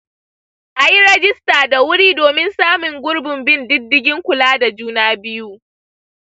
a yi rajista da wuri domin samun gurbin bin diddigin kula da juna biyu.